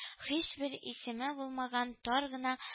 Һичбер исеме булмаган тар гына